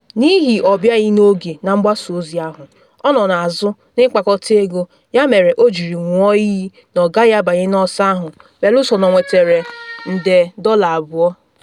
N’ihi ọ bịaghị n’oge na mgbasa ozi ahụ, ọ nọ n’azụ na ịkpakọta ego, ya mere o jiri nwụọ iyi na ọ gaghị abanye n’ọsọ ahụ belụsọ na ọ nwetara nde $2.